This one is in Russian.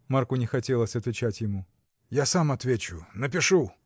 Марку не хотелось отвечать ему. — Я сам отвечу, напишу.